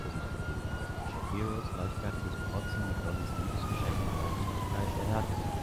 sich verbuchen: Shapiros leichtfertiges Protzen mit Dollys Liebesgeschenk in der Öffentlichkeit erhärtete den